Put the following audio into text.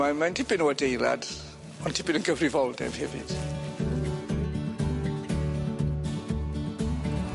Mae mae'n tipyn o adeilad ond tipyn o gyfrifoldeb hefyd.